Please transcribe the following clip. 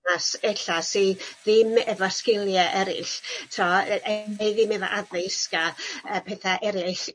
A s- ella sy ddim efo sgilie eryll t'o' neu ddim efo addysg a yy petha eryll